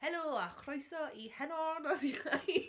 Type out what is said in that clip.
Helo, a chroeso i Heno nos Iau...